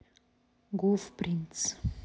гуф принц